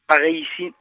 Parys.